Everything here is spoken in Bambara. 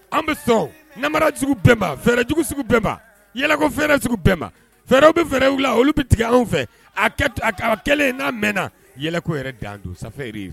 An bɛ sɔnjuguba fɛrɛɛrɛjugu bɛnba fɛrɛ bɛnba fɛɛrɛw bɛ fɛɛrɛw la olu bɛ tigɛ anw fɛ a kelen in n'a mɛnna yɛlɛ yɛrɛ dan don sanfɛri ye